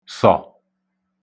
sọ̀